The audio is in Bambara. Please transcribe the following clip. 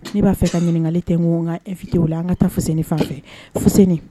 Ne b'a fɛ ka ɲininkakali tɛ n ko kafitw la an ka taa fos fan fɛ foni